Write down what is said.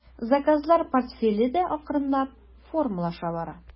Заказлар портфеле дә акрынлап формалаша бара.